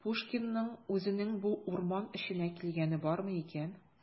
Пушкинның үзенең бу урман эченә килгәне бармы икән?